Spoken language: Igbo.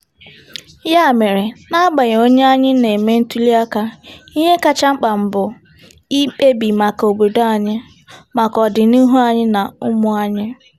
Ya mere, n'agbanyeghị onye anyị na-eme ntuli aka, ihe kacha mkpa bụ ikpebi maka obodo anyị, maka ọdịnihu anyị na ụmụ anyị.